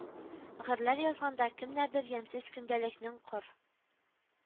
Гырьләр язганда, кемнәрдер ямьсез көндәлекнең кор